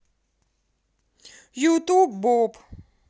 ютуб боб